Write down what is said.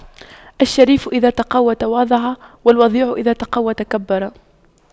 الشريف إذا تَقَوَّى تواضع والوضيع إذا تَقَوَّى تكبر